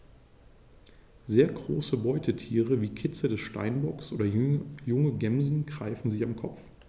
Sehr große Beutetiere wie Kitze des Steinbocks oder junge Gämsen greifen sie am Kopf.